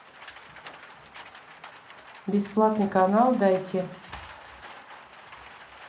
бесплатный канал дайте